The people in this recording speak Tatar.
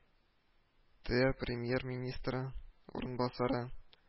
ТР Премьер-министры урынбасары